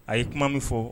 A y' kuma min fɔ